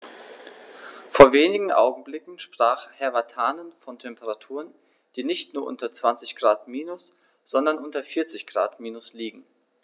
Vor wenigen Augenblicken sprach Herr Vatanen von Temperaturen, die nicht nur unter 20 Grad minus, sondern unter 40 Grad minus liegen.